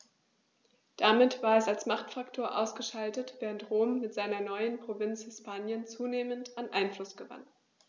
Damit war es als Machtfaktor ausgeschaltet, während Rom mit seiner neuen Provinz Hispanien zunehmend an Einfluss gewann.